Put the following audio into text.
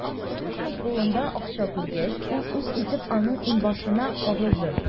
Галимҗановның кулында акча күргәч, ул үз итеп аның иңбашына кагылды.